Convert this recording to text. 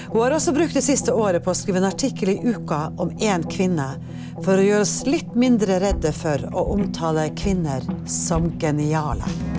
ho har også brukt det siste året på å skrive ein artikkel i veka om ei kvinne for å gjere oss litt mindre redde for å omtale kvinner som geniale.